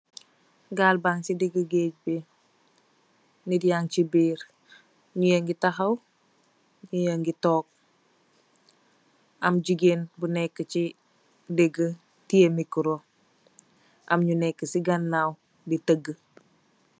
Gaal bang ci digi gèej bi, nit yang ci biir. Nye ya ngi tahaw, nye ya ngi toog. Am jigeen bu nekk chi digi tè micro, am nu nekk chi ganaaw di tëgu.